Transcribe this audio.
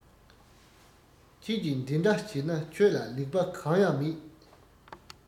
ཁྱེད ཀྱི འདི འདྲ བྱས ན ཁྱོད ལ ལེགས པ གང ཡང མེད